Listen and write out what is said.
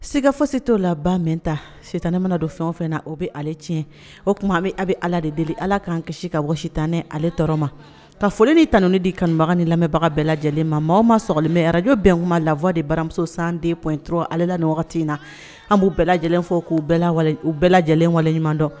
Siga fosi tɛo la mɛn ta sitan ne mana don fɛn o fɛn na o bɛ ale tiɲɛ o tuma a bɛ a bɛ ala de deli ala k ka kan kasi ka watan ale tɔɔrɔ ma ka foli ni tanununi di kanubaga ni lamɛnbaga bɛɛ lajɛlen ma maaw ma sli mɛn arajo bɛn kuma lafɔ de baramuso san denp dɔrɔn ale la ni wagati in na an b'u bɛɛ lajɛlen fɔ k'u bɛɛ lajɛlen waleɲuman dɔn